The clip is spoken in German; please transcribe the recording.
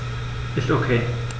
Ist OK.